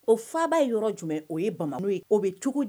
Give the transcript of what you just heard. O faaba ye yɔrɔ jumɛn ye o ye Bamak ye o be cogo di